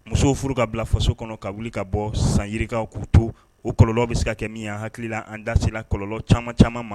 Musow furu ka bila faso kɔnɔ ka wuli ka bɔ san yirikaw k'u to o kɔlɔ bɛ se ka kɛ min hakili la an dase kɔlɔlɔ caman caman ma